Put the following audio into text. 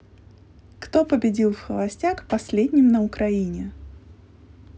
кто победил в холостяк последним на украине